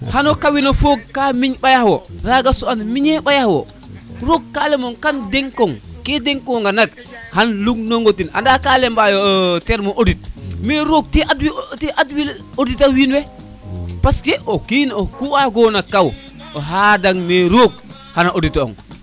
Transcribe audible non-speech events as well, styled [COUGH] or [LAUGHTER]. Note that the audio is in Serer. [MUSIC] xana kowin o fog ka ka miñ xa ɓayaxe wo raga soɓa miñe xa ɓayaxe wo roog ka lemon kam dekong ke dekonga nak xan lud nongo ten anda ka lema yo terme audite mais roog te ad wu auditer wiin we parce que o kiin ku wagona kawo xaadang ne roog xana audite ong